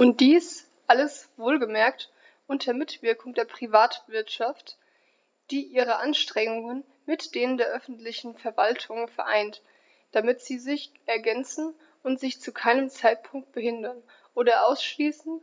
Und dies alles - wohlgemerkt unter Mitwirkung der Privatwirtschaft, die ihre Anstrengungen mit denen der öffentlichen Verwaltungen vereint, damit sie sich ergänzen und sich zu keinem Zeitpunkt behindern oder ausschließen